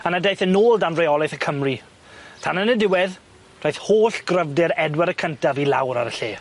daeth e nôl dan reolaeth y Cymry tan yn y diwedd, daeth holl gryfder Edward y cyntaf i lawr ar y lle.